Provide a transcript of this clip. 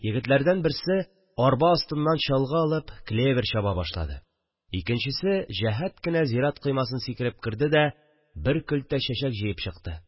Егетләрдән берсе арба астыннан чалгы алып клевер чаба башлады, икенчесе җәһәт кенә зират коймасын сикереп керде дә, бер көлтә чәчәк җыеп чыкты